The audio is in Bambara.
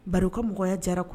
Ba u ka mɔgɔya jara kun